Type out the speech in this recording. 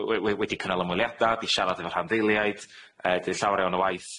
we- we- wedi cynnal ymweliada, wedi siarad efo rhanddeiliaid, yy 'di neu' llawer iawn o waith.